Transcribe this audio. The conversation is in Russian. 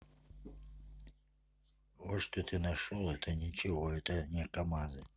вот что ты нашел это ничего это не камазы